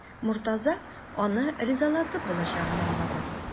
Мортаза аны ризалатып булачагын аңлады.